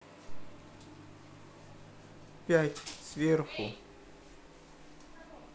пять сверху